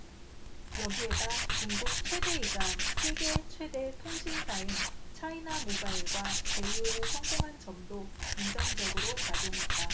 여기에다 중국 최대이자 세계 최대 통신사인 차이나모바일과 제휴에 성공한 점도 긍정적으로 작용했다